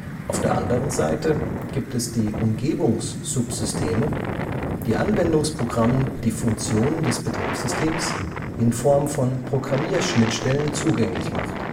Auf der anderen Seite gibt es die Umgebungssubsysteme, die Anwendungsprogrammen die Funktionen des Betriebssystems in Form von Programmierschnittstellen zugänglich macht